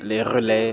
les relais